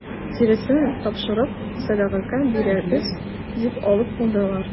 Тиресен тапшырып сәдакага бирәбез дип алып калдылар.